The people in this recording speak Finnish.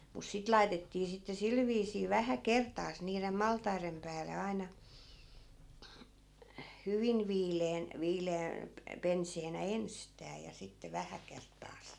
mutta sitten laitettiin sitten sillä viisiin vähän kertaansa niiden maltaiden päälle aina hyvin viileän viileä - penseänä ensistään ja sitten vähän kertaansa